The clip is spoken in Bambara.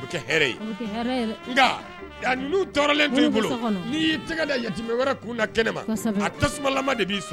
o bi kɛ hɛrɛ i bolo, a bɛ kɛ hɛrɛ ye dɛ; nka ka ninnu tɔɔrlento i bolo, minnu bɛ so kɔnɔ, n'i y'i tɛgɛ da yatimɛ wɛrɛ kunna, kosɛɛ, kɛnɛ ma, a tasumalama de b'i